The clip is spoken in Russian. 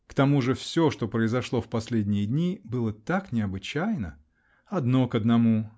К тому же все, что произошло в последние дни, было так необычайно. Одно к одному!